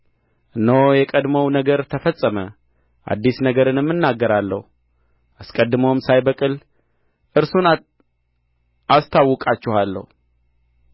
እነሆ የቀድሞው ነገር ተፈጸመ አዲስ ነገርንም እናገራለሁ አስቀድሞም ሳይበቅል እርሱን አስታውቃችኋለሁ